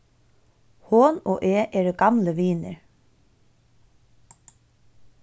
hon og eg eru gamlir vinir